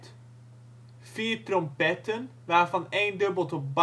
waarvan één dubbelt op bastrompet